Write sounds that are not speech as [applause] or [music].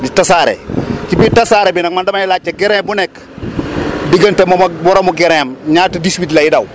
di tasaare [noise] ci biir tasaare bi nag man damay laajte grain bu nekk [noise] diggante moom ak moromu grain am ñaata 18 lay daw